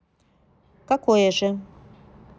какое же